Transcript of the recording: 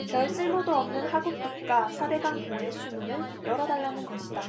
별 쓸모도 없는 하굿둑과 사 대강 보의 수문을 열어달라는 것이다